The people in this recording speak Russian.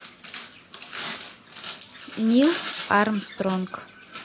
нил армстронг